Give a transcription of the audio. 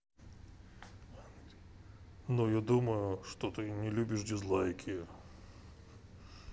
ну я думаю что ты не любишь дизлайки